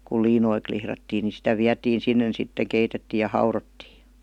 kun liinoja lihdattiin niin sitä vietiin sinne sitten keitettiin ja haudottiin